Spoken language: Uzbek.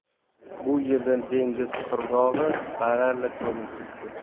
bu yerdan dengiz qirg'og'i baralla ko'rinib turibdi